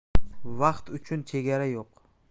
vaqt uchun chegara yo'q